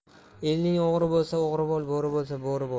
eling o'g'ri bo'lsa o'g'ri bo'l bo'ri bo'lsa bo'ri bo'l